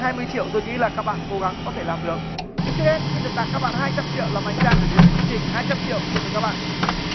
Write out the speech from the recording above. hai mươi triệu tôi nghĩ là các bạn cố gắng có thể làm được nhưng trước hết xin được tặng các bạn hai trăm triệu làm hành trang để đến với chương trình hai trăm triệu thuộc về các bạn